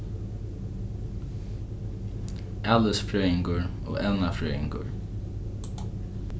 alisfrøðingur og evnafrøðingur